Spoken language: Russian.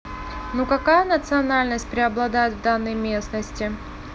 ну какая национальность преобладает в данной местности